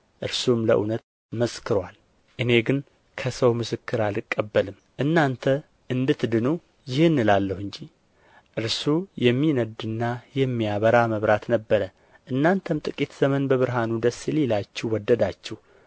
እርሱም ለእውነት መስክሮአል እኔ ግን ከሰው ምስክር አልቀበልም እናንተ እንድትድኑ ይህን እላለሁ እንጂ እርሱ የሚነድና የሚያበራ መብራት ነበረ እናንተም ጥቂት ዘመን በብርሃኑ ደስ ሊላችሁ ወደዳችሁ